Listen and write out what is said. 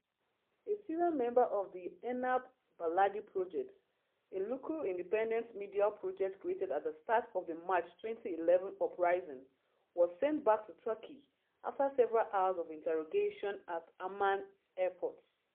A Syrian member of the Enab Baladi project, a local independent media project created at the start of the March 2011 uprising, was sent back to Turkey after several hours of interrogation at the Amman airport.